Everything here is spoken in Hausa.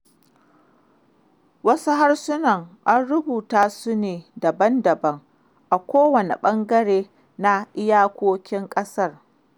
Wasu harsunan an rubuta su ne daban-daban a kowane ɓangare na iyakokin ƙasa.